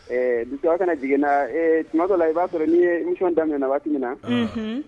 Tu a kana jiginna ee tumatɔ la i b'a sɔrɔ n ni ye musosɔn daminɛmin na waati wagati min na